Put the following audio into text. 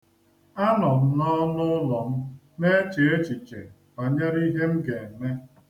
A nọ m n'ọnụụlọ m na-eche echiche banyere ihe m ga-eme.